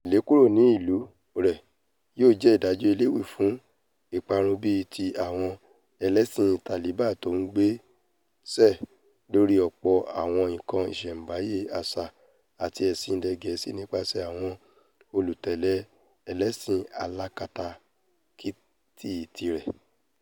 Ìlékúróní-ìlú rẹ̀ yóò jẹ́ ìdájọ̀ eléwì fún ìparun bíi ti àwọn ẹlẹ́sìn Taliban tí ó gbé ṣe lóri ọ̀pọ̀ àwọn nǹkan ìṣẹ̀ḿbáyé àṣà àti ẹ̀sìn ilẹ Gẹ̀ẹ́sì nípaṣẹ̀ àwọn olùtẹ̀lé Ẹlẹ́sìn alákatakí tirẹ̀.